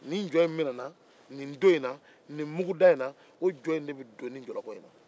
nin jɔn in minɛna nin don in na ni muguda in na o jɔn de bɛ don nin jɔlɔkɔ in na